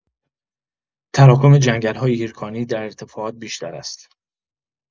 تراکم جنگل‌های هیرکانی در ارتفاعات بیشتر است.